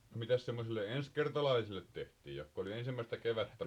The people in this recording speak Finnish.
no mitäs semmoisille ensikertalaisille tehtiin jotka oli ensimmäistä kevättä